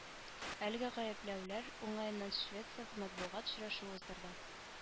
Әлеге гаепләүләр уңаеннан швецов матбугат очрашуы уздырды